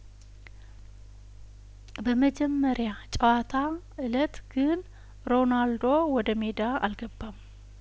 በመጀመሪያጨዋታ እለት ግን ሮናልዶ ወደ ሜዳ አልገባም